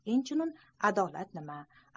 inchunin adolat nima